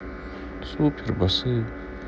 супер басы